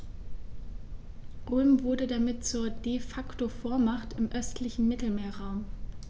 Rom wurde damit zur ‚De-Facto-Vormacht‘ im östlichen Mittelmeerraum.